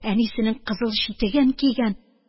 Әнисенең кызыл читеген кигән.